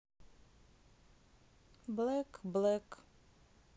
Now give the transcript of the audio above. black black